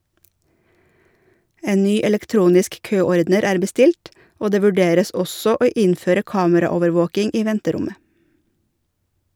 En ny elektronisk køordner er bestilt, og det vurderes også å innføre kameraovervåking i venterommet.